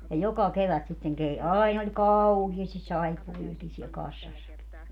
ja joka kevät sitten - aina oli kauheasti saippuoitakin siellä kassassakin